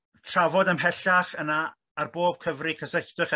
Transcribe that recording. trafod ymhellach yna ar bob cyfri cysylltwch â ffion eu cysylltwch gyda ni adran y